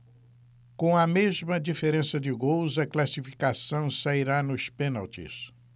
com a mesma diferença de gols a classificação sairá nos pênaltis